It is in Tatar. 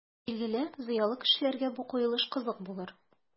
Билгеле, зыялы кешеләргә бу куелыш кызык булыр.